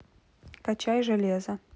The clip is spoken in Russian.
качай железо